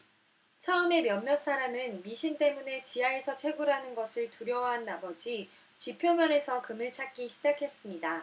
처음에 몇몇 사람은 미신 때문에 지하에서 채굴하는 것을 두려워한 나머지 지표면에서 금을 찾기 시작했습니다